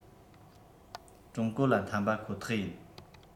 ཀྲུང གོ ལ འཐམས པ ཁོ ཐག ཡིན